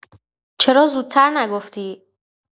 چرا زودتر نگفتی؟